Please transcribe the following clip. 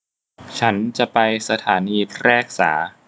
ฉันจะไปสถานีแพรกษา